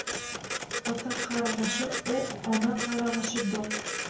ota qarg'ishi o'q ona qarg'ishi do'q